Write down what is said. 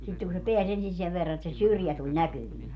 sitten kun se pääsi ensin sen verran että se syrjä tuli näkyviin